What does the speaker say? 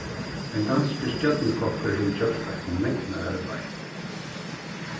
ein danskur stjørnukokkur hevur gjørt eitt megnararbeiði